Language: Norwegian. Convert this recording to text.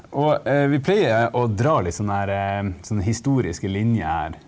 og vi pleier å dra litt sånn herre sånne historiske linjer her.